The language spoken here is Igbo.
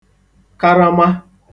karama